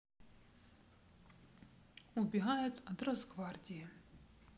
убегает от росгвардии